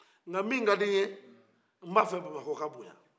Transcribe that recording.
n'ka min ka di n'ye n b'a fɛ bamakɔ ka bonya